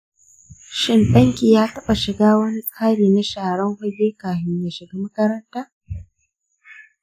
shin danki ya taba shiga wani tsari na sharan fage kafin shiga makaranta?